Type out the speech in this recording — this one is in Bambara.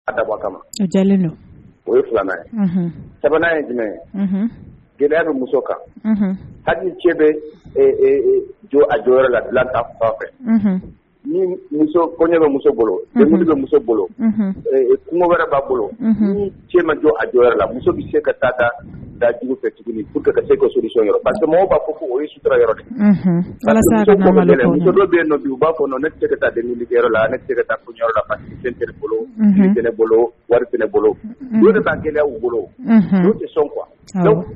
Gɛlɛya muso kan la fa fɛ kungo wɛrɛ b'a bolo cɛ ma jɔ a jɔyɔrɔ la muso bɛ se ka taa da da fɛ tuguni ka se ka sosɔnyɔrɔ ba b'a fɔ k si yɔrɔ dɛ dɔ bɛ nɔ dugu u b'a fɔ ne se ka taa denyɔrɔ la ne se ka taa so la bolo t bolo wari t bolo bɛ taa gɛlɛya bolo tɛ sɔn kuwa